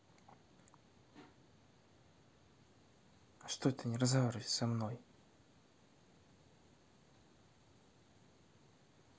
а что ты не разговариваешь со мной